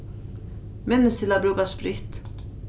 minnist til at brúka spritt